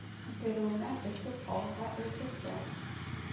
Сикерүеннән өркеп, авылга элдертә